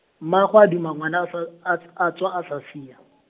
mma gwe a duma ngwana a sa-, a tsw- a tswa a sa sia.